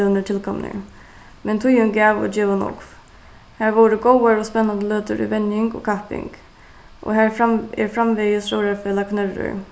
blivnir tilkomnir men tíðin gav og gevur nógv har vóru góðar og spennandi løtur í venjing og kapping og har er framvegis róðrarfelag knørrur